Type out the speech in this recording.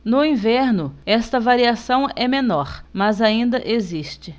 no inverno esta variação é menor mas ainda existe